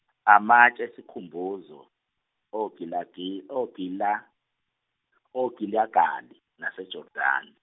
amatshe esikhumbuzo, oGilagi- oGila- oGilagali naseJordani.